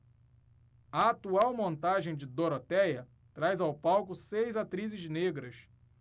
a atual montagem de dorotéia traz ao palco seis atrizes negras